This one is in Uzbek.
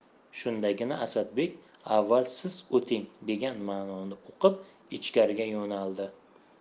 shundagina asadbek avval siz o'ting degan ma'noni uqib ichkariga yo'naldi